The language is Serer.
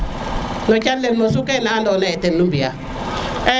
no calel mosu kene ano na ye ten nu mbiya